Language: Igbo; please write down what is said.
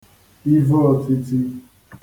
iveōtītī